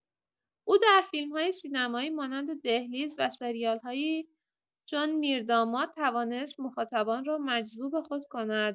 او در فیلم‌های سینمایی مانند دهلیز و سریال‌هایی چون میرداماد توانست مخاطبان را مجذوب خود کند.